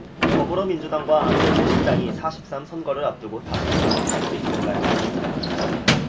더불어민주당과 안철수 신당이 사 십 삼 선거를 앞두고 다시 힘을 합칠 수 있을까요